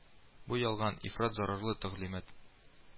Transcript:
Бу ялган, ифрат зарарлы тәгълимат